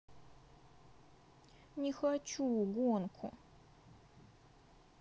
не хочу гонку